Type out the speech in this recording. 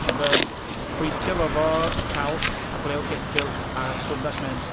Ond yym pwyntio fo 'fo calch a blew ceffyl, a swnd a sment.